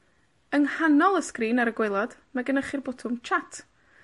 Yng nghanol y sgrin ar y gwaelod, mae gynnoch chi'r bwtwm Chat,